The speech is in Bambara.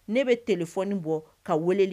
Ne bɛ tfɔni bɔ ka weleli